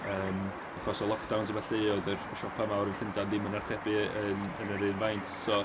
Yym achos y lockdowns a ballu oedd y siopau mawr yn Llundain ddim yn archebu yn yn yr un faint, so...